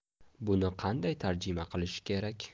buni qanday tarjima qilish kerak